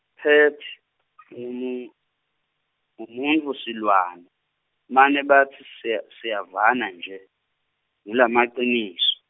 Pat ngumun- ngumuntfusilwane, mane batsi siya siyavana nje, ngulamaciniso.